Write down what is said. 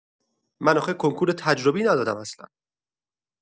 من آخه کنکور تجربی ندادم اصلا